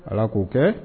Ala k'o kɛ